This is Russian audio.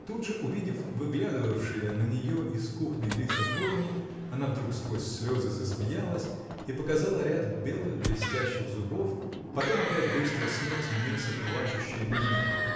Тут же, увидев выглядывавшие на нее из кухни лица дворни, она вдруг сквозь слезы засмеялась и показала ряд белых, блестящих зубов, потом опять быстро смех сменился плачущей миной.